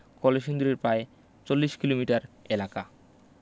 কলসিন্দুরের প্রায় ৪০ কিলোমিটার এলাকা